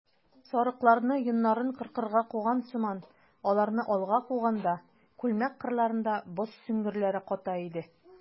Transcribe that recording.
Сарыкларны йоннарын кыркырга куган сыман аларны алга куганда, күлмәк кырларында боз сөңгеләре ката иде.